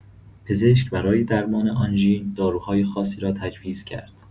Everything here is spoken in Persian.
پزشک برای درمان آنژین داروهای خاصی را تجویز کرد.